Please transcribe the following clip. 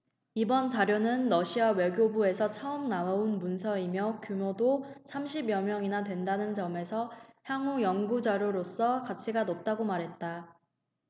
이번 자료는 러시아 외교부에서 처음 나온 문서이며 규모도 삼십 여 명이나 된다는 점에서 향후 연구 자료로서 가치가 높다고 말했다